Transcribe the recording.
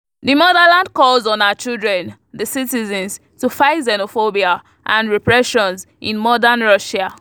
The Motherland Calls on her children (the citizens) to fight xenophobia and repressions in modern Russia.